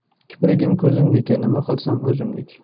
kiprigim ko'zimniki nima qilsam o'zimnlki